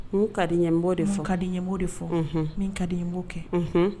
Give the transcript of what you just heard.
N ka di ɲɛbo de fo ka di ɲɛ' de fo min ka di n b'o kɛ